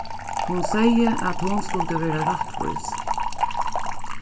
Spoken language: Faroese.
hon segði at hon skuldi vera rættvís